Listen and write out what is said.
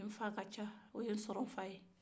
mɛ n fa ka ca o ye sɔrɔ n fa ye